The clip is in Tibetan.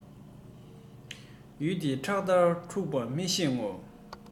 ཡུལ སྡེ ཁྲག ལྟར འཁྲུག པ མི ཤེས སོ